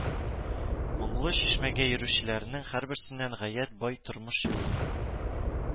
Моңлы чишмә гә йөрүчеләрнең һәрберсенең гаять бай тормыш юлы